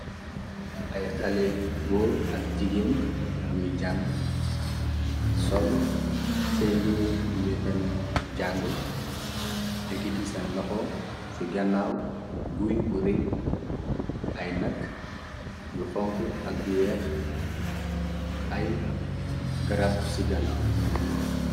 Ay xale góor ak jigéen ñuy jàng soll sey njurey yuñuy deme jàng ekiti seen laxo ci ganaaw guy bu rey ay nakk yu xonk ak yu weex ay garab ci ganaaw.